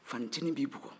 fanincinin b'i bugɔ